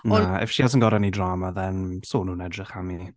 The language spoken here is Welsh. Ond... Na if she hasn't got any drama then so nhw'n edrych arni.